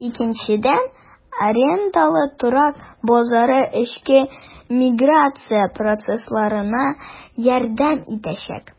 Икенчедән, арендалы торак базары эчке миграция процессларына ярдәм итәчәк.